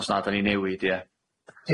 Os na 'dan ni'n newid ia.